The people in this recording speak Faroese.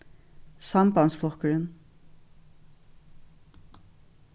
sambandsflokkurin